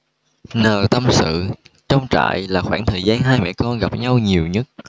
n tâm sự trong trại là khoảng thời gian hai mẹ con gặp nhau nhiều nhất